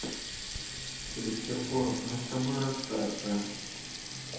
филипп киркоров мы с тобой расстаться